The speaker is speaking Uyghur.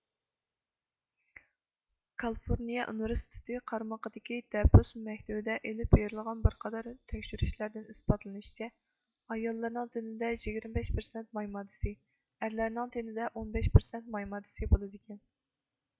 كالىفورنىيە ئۇنىۋېرسىتېتى قارىمىقىدىكى دەپۈس مەكتىۋىدە ئېلىپ بېرىلغان بىر قاتار تەكشۈرۈشلەردىن ئىسپاتلىنىشىچە ئاياللارنىڭ تېنىدە يىگىرمە بەش پىرسەنت ماي ماددىسى ئەرلەرنىڭ تېنىدە ئون بەش پىرسەنت ماي ماددىسى بولىدىكەن